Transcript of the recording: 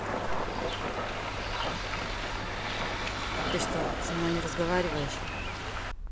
ты что со мной не разговариваешь